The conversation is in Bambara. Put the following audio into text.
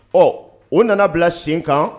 Ɔ o nana bila sin kan